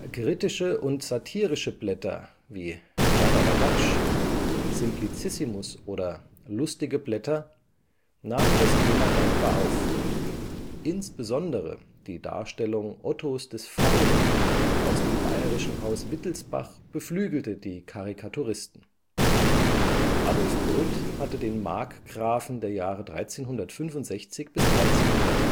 Kritische und satirische Blätter wie Kladderadatsch, Simplicissimus oder Lustige Blätter nahmen das Thema dankbar auf. Insbesondere die Darstellung Ottos des Faulen aus dem bayerischen Haus Wittelsbach beflügelte die Karikaturisten. Adolf Brütt hatte den Markgrafen der Jahre 1365 bis 1373